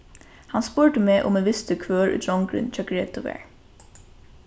hann spurdi meg um eg visti hvør ið drongurin hjá gretu var